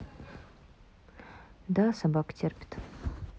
да собака терпит